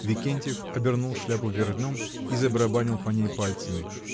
Викентьев обернул шляпу вверх дном и забарабанил по ней пальцами.